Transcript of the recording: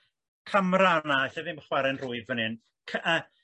camra a na allai ddim chware e'n rhwydd fan hyn cy-